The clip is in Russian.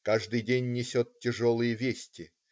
Каждый день несет тяжелые вести.